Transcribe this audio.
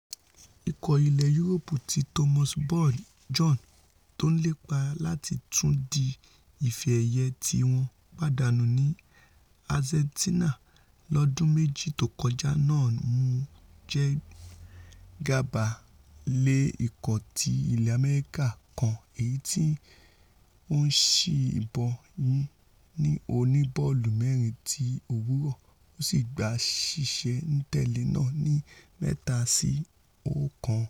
Ikọ̀ ilẹ̀ Yuroopu ti Thomas Bjorn, tó ńlépa láti tún di ife-ẹyẹ̀ tí wọ́n pàdánù ní Hazeltine lọ́dún méjì tókọjá náà mu, jẹ́ gàba lé ikọ̀ ti ilẹ̀ Amẹrika kan èyití ó ńsì ìbọn yìn ní oníbọ́ọ̀lù-mẹ́rin ti òwúrọ̀, tó sì gba ṣíṣẹ̀-n-tẹ̀lé náà ni 3-1.